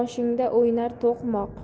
boshingda o'ynar to'qmoq